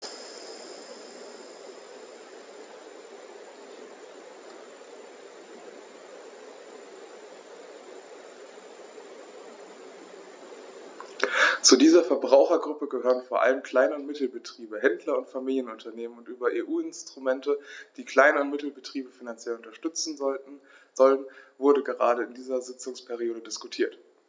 Zu dieser Verbrauchergruppe gehören vor allem Klein- und Mittelbetriebe, Händler und Familienunternehmen, und über EU-Instrumente, die Klein- und Mittelbetriebe finanziell unterstützen sollen, wurde gerade in dieser Sitzungsperiode diskutiert.